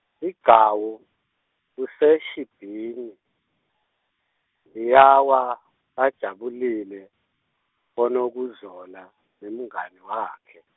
Sigcawu, Kuseshibhini, ziyawa, bajabulile, boNokuzola, nemngani wakhe.